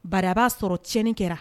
Babaa'a sɔrɔ tii kɛra